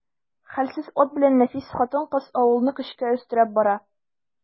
Хәлсез ат белән нәфис хатын-кыз авылны көчкә өстерәп бара.